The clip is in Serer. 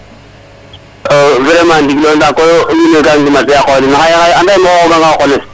vraiment ndigil o ndaa koy wiin we ga ngimatee a qoox den xaye xaye anda um xooxooganga o qoles